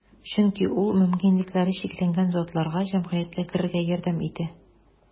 Чөнки ул мөмкинлекләре чикләнгән затларга җәмгыятькә керергә ярдәм итә.